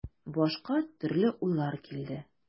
Башка төрле уйлар килде.